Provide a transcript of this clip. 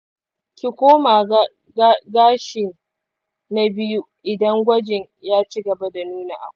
ki koma gashin na biyu idan gwajin ya cigaba da nuna akwai.